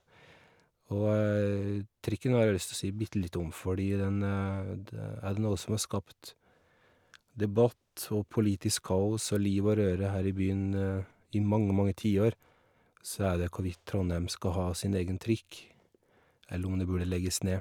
Og trikken har jeg lyst å si bitte litt om, fordi den de er det noe som har skapt debatt og politisk kaos og liv og røre her i byen i mange, mange tiår, så er det hvorvidt Trondheim skal ha sin egen trikk, eller om det burde legges ned.